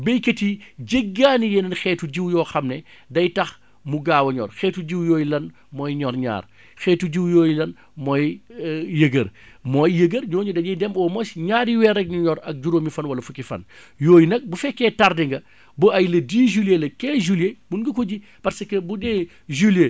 baykat yi jéggaani yeneen xeetu jiwu yoo xam ne day tax mu gaaw a ñor xeetu jiwu yooyu lan mooy ñor-ñaar xeetu jiwu yooyu lan mooy yëgër mooy yëgër ñooñu dañuy dem au moins ñaari weer rekk ñu ñor ak juróomi fan wala fukki fan yooyu nag bu fekkee tardé nga ba ay le 10 juillet le 15 juillet mën nga ko ji parce que bu dee juillet